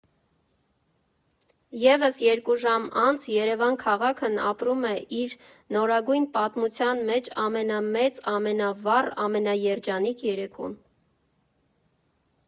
Եվս երկու ժամ անց Երևան քաղաքն ապրում էր իր նորագույն պատմության մեջ ամենամեծ, ամենավառ, ամենաերջանիկ երեկոն։